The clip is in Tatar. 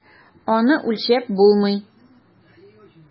Аны үлчәп булмый.